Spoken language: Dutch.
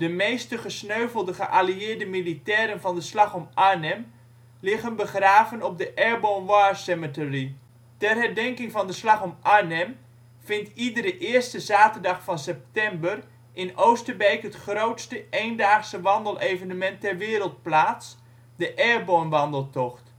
meeste gesneuvelde geallieerde militairen van de Slag om Arnhem liggen begraven op de Airborne War Cemetery. Ter herdenking van de Slag om Arnhem vindt iedere eerste zaterdag van september in Oosterbeek het grootste eendaagse wandelevenement ter wereld plaats; de Airborne Wandeltocht